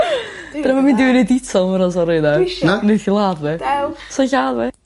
Dwi'm yn mynd i fynd i detail fyna sori 'de. Na? Neith 'i ladd fi. Dewch. 'Sa 'i'n lladd fi.